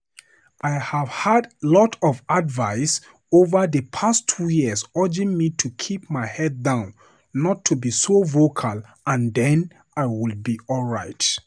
I have had lots of advice over the past two years urging me to keep my head down, not to be so vocal and then I would "be all right."